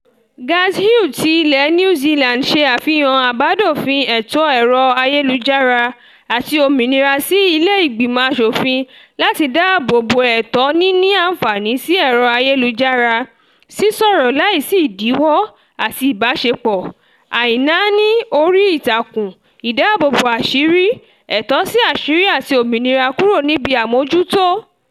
Garth Hughes ti ilẹ̀ New Zealand ṣe àfihàn àbádòfin ẹ̀tọ́ ẹ̀rọ ayélujára àti òmìnira sí ilé ìgbìmọ̀ aṣòfin láti dáàbò bo ẹ̀tọ́ níní àǹfààní sí ẹ̀rọ ayélujára, sísọ̀rọ̀ láì sí ìdíwọ́ àti ìbáṣepọ̀, àìnáání orí ìtàkùn, ìdáàbò bo àṣírí, ẹ̀tọ́ sí àṣírí àti òmìnira kúrò níbi àmójútó.